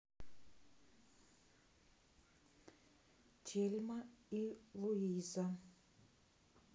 тельма и луиза